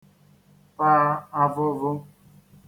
ta avụvụ